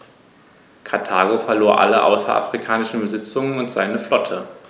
Karthago verlor alle außerafrikanischen Besitzungen und seine Flotte.